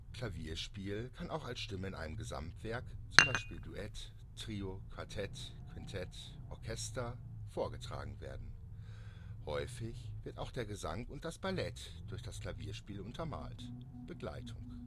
Klavierspiel kann auch als Stimme in einem Gesamtwerk, z.B. Duett, Trio, Quartett, Quintett, Orchester, vorgetragen werden. Häufig wird auch der Gesang und das Ballett durch das Klavierspiel untermalt (Begleitung